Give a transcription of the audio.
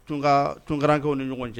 Tunka, tunkarankew ni ɲɔgɔn cɛ.